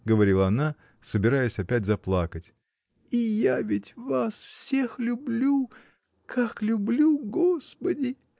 — говорила она, собираясь опять заплакать, — и я ведь вас всех люблю. как люблю, Господи!.